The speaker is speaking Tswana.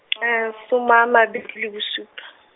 soma a mabed- le bosupa.